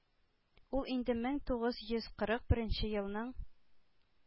Ул инде мең тугыз йөз кырык беренче елның